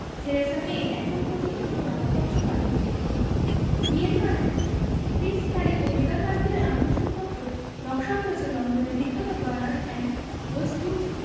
Theresa May এখন পর্যন্ত কোনো দাওয়াতপত্র পাননি বিয়ের কার্ডের নকশা প্রিন্স হ্যারি ও মেগান মার্কেলের আমন্ত্রণপত্র নকশা করেছে লন্ডনের বিখ্যাত বার্নার্ড অ্যান্ড ওয়েস্টউড